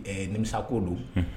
Ɛɛ nimisa ko don